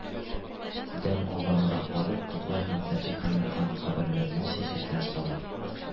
Дән алданрак барып, тукай һәм фатих әмирхан каберләренә чәчәкләр сала